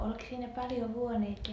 oliko siinä paljon huoneita ja